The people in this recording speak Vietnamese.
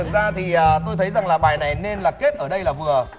thực ra thì à tôi thấy rằng là bài này nên là kết ở đây là vừa